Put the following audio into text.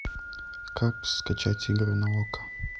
как скачать игры на окко